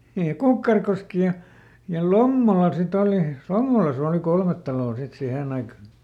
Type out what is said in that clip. niin ja Kukkarokoski ja ja Lommola sitten oli Lommolassa oli kolme taloa sitten siihen aikaan